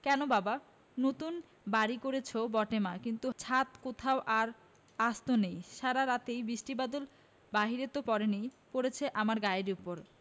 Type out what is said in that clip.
কেন বাবা নতুন বাড়ি করেচ বটে মা কিন্তু ছাত কোথাও আর আস্ত নেই সারা রাতের বৃষ্টি বাদল বাইরে ত পড়েনি পড়েচে আমার গায়ের উপর